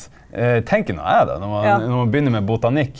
tenker nå jeg da når man når man begynner med botanikk.